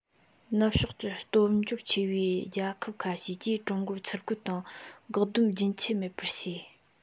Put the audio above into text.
ནུབ ཕྱོགས ཀྱི སྟོབས འབྱོར ཆེ བའི རྒྱལ ཁབ ཁ ཤས ཀྱིས ཀྲུང གོར ཚུལ རྒོལ དང བཀག སྡོམ རྒྱུན ཆད མེད པར བྱས